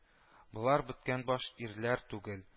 Болар беткәнбаш ирләр түгел